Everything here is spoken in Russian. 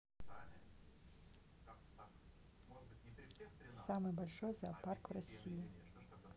самый большой зоопарк в россии